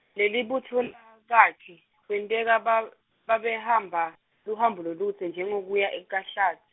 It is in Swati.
Lelibutfo lakakhe kwenteka bab- babehamba luhambo loludze njengekuya e kaHlatsi.